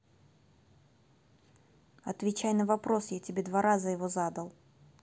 отвечай на вопрос я тебе два раза его задал